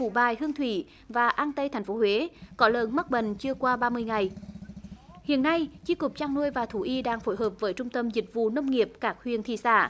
phú bài hương thủy và an tây thành phố huế có lợn mắc bệnh chưa qua ba mươi ngày hiện nay chi cục chăn nuôi và thú y đang phối hợp với trung tâm dịch vụ nông nghiệp các huyện thị xã